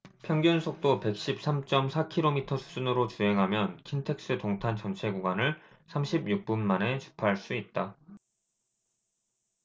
평균속도 백 십 삼 쩜 사 키로미터 수준으로 주행하면 킨텍스 동탄 전체 구간을 삼십 육 분 만에 주파할 수 있다